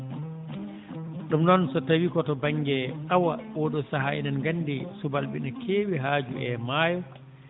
ɗum noon so tawii ko to baŋnge awa oo ɗoo sahaa eɗen nganndi subalɓe ene keewi haaju e maayo